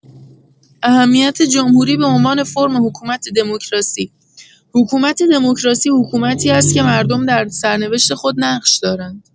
اهمیت جمهوری به عنوان فرم حکومت دموکراسی: حکومت دموکراسی حکومتی است که مردم در سرنوشت خود نقش دارند.